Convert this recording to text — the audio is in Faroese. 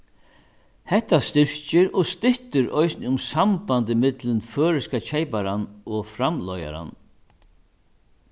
hetta styrkir og styttir eisini um sambandið millum føroyska keyparan og framleiðaran